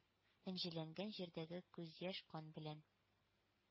Энҗеләнгән җирдәге күз яшь, кан белән!